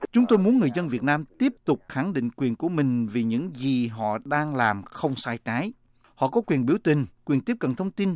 chúng tôi muốn người dân việt nam tiếp tục khẳng định quyền của mình vì những gì họ đang làm không sai trái họ có quyền biểu tình quyền tiếp cận thông tin